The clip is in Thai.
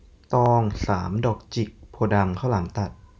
ตองสามดอกจิกโพธิ์ดำข้าวหลามตัด